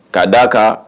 K'a d' aa kan